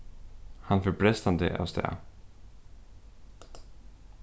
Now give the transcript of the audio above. hann fer brestandi avstað